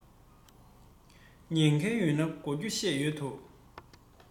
ཉན མཁན ཡོད ན གོ རྒྱུ བཤད ཡོད དོ